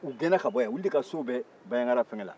u gɛnna ka bɔ yan olu de ka so bɛ bajangara